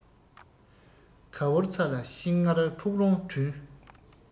ག བུར ཚྭ ལ ཤིང མངར ཕུག རོན བྲུན